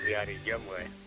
yaare jam waay